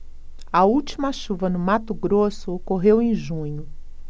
a última chuva no mato grosso ocorreu em junho